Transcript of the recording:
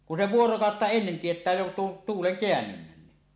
kun se vuorokautta ennen tietää jo tuon tuulen kääntymisen